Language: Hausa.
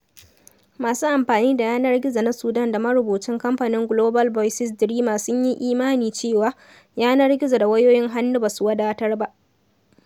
Masu amfani da yanar gizo na Sudan da marubucin Kamfanin Global Voices Drima sun yi imanin cewa, yanar gizo da wayoyin hannu ba su wadatar ba.